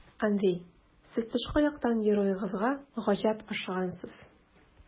Андрей, сез тышкы яктан героегызга гаҗәп охшагансыз.